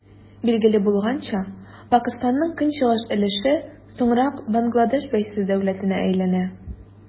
Билгеле булганча, Пакыстанның көнчыгыш өлеше соңрак Бангладеш бәйсез дәүләтенә әйләнә.